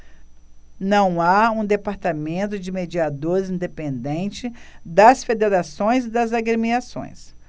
não há um departamento de mediadores independente das federações e das agremiações